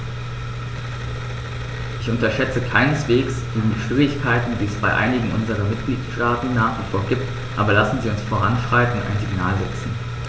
Ich unterschätze keineswegs die Schwierigkeiten, die es bei einigen unserer Mitgliedstaaten nach wie vor gibt, aber lassen Sie uns voranschreiten und ein Signal setzen.